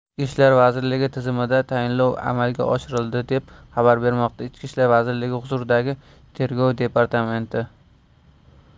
ichki ishlar vazirligi tizimida tayinlov amalga oshirildi deb xabar bermoqda ichki ishlar vazirligi huzuridagi tergov departamenti